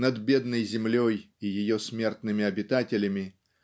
над бедной землей и ее смертными обитателями